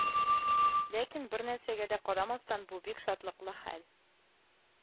Ләкин бернәрсәгә дә карамастан, бу бик шатлыклы хәл